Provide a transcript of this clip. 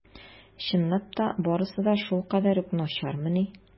Чынлап та барысы да шулкадәр үк начармыни?